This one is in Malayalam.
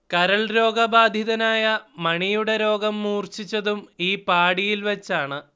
കരൾ രോഗബാധിതനായ മണിയുടെ രോഗം മൂർച്ഛിച്ചതും ഈ പാഡിയിൽ വച്ചാണ്